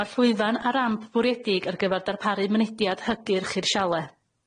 Ma'r llwyfan a ramp bwriedig ar gyfar darparu mynediad hygyrch i'r siale.